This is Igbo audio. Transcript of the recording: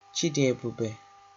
Chidiebube